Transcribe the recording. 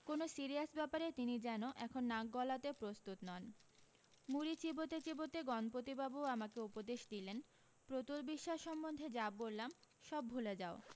কোনো সিরিয়াস ব্যাপারে তিনি যেন এখন নাক গলাতে প্রস্তুত নন মুড়ি চিবোতে চিবোতে গণপতিবাবু আমাকে উপদেশ দিলেন প্রতুল বিশ্বাস সম্বন্ধে যা বললাম সব ভুলে যাও